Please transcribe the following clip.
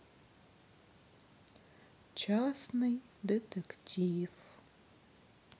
частный детектив